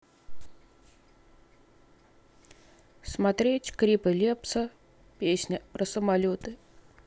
смотреть клипы лепса песня про самолеты